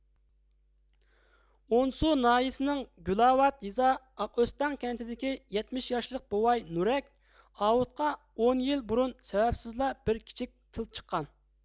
ئونسۇ ناھىيىسىنىڭ گۈلاۋات يېزا ئاقئۆستەڭ كەنتىدىكى يەتمىش ياشلىق بوۋاي نۇرەك ئاۋۇتقا ئون يىل بۇرۇن سەۋەبسىزلا بىر كىچىك تىل چىققان